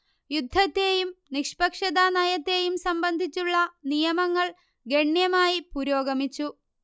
യുദ്ധത്തെയും നിഷ്പക്ഷതാനയത്തെയും സംബന്ധിച്ചുള്ള നിയമങ്ങൾ ഗണ്യമായി പുരോഗമിച്ചു